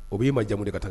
O b'i majamu de ka taa